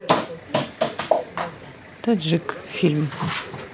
таджик фильм